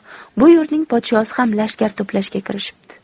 bu yurtning podshosi ham lashkar to'plashga kirishibdi